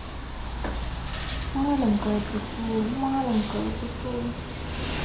маленькая туту маленькая туту